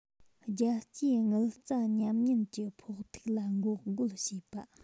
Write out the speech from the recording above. རྒྱལ སྤྱིའི དངུལ རྩ ཉམས ཉེན གྱི ཕོག ཐུག ལ འགོག རྒོལ བྱེད པ